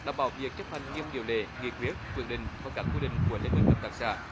đảm bảo việc chấp hành nghiêm điều lệ nghị quyết quyết định và các quy định của liên minh hợp tác xã